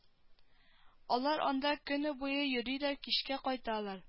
Алар анда көне буе йөриләр кичкә кайталар